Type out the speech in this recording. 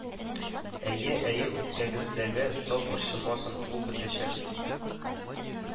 Әйе, әйе, үпкәгездәге тап борчымасын, ул бетәчәк